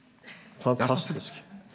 fantastisk.